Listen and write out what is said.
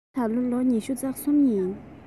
ང ད ལོ ལོ ཉི ཤུ རྩ གསུམ ཡིན